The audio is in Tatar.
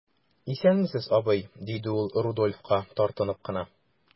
Исәнмесез, абый,– диде ул Рудольфка, тартынып кына.